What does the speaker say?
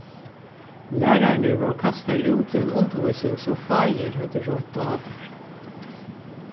lærararnir vóru kastaðir út í eina undirvísing sum fáir høvdu roynt áður